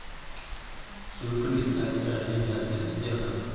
сюрприз на день рождения от ассистентов